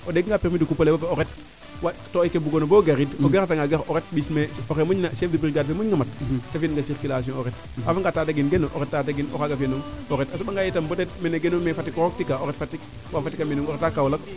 o ɗega nga permis de alewo koy o ret waand to'oy ke bugoona bo gariid o gara tanga gar o ret ɓis mee oxe moƴna chef de brigade fee moƴna mat te fi in circulation o ret a ref nga Tataguine geno o ret Tataguine o xene fiya nong o ret a soɓa nga yitam peut etre mene geno mais Fatick a roq tika o ret Fatick waa Fatick a mbinanong o reta Kaolack